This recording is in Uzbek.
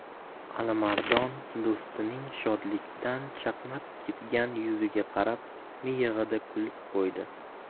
alimardon do'stining shodlikdan chaqnab ketgan yuziga qarab miyig'ida kulib qo'ydi